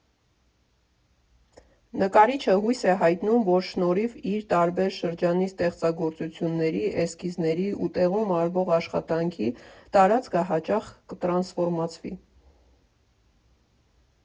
Նկարիչը հույս է հայտնում, որ շնորհիվ իր տարբեր շրջանի ստեղծագործությունների, էսքիզների ու տեղում արվող աշխատանքի՝ տարածքը հաճախ կտրանսֆորմացվի։